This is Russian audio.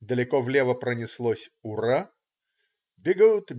Далеко влево пронеслось "ура". "Бегут!